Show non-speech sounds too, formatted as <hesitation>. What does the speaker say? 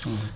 <hesitation>